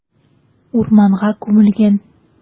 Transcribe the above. Урманга күмелгән.